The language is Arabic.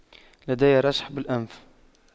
لدي رشح بالأنف